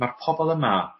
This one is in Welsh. ma'r pobol yma